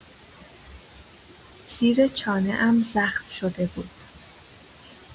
زیر چانه‌ام زخم شده بود.